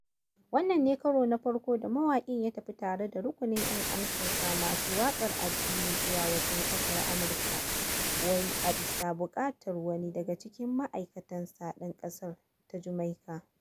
Wannan ne karo na farko da mawaƙin ya tafi tare da rukunin 'yan amshinsa masu waƙar addini zuwa wajen ƙasar Amurka, wai a bisa buƙatar wani daga cikin ma'aikatansa ɗan ƙasar ta Jamaika.